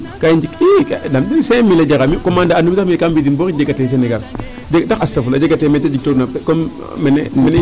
Ke i njik i cinq mille a jaraa mi' commande a num sax kaam widin boo xij jegatee Seenegal astafirlula jagatee meete jiktoogna comme mene .